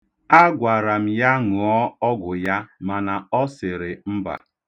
Agwara m ya ṅụọ ọgwụ ya mana ọ sịrị, mba.